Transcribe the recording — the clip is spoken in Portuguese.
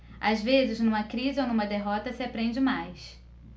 às vezes numa crise ou numa derrota se aprende mais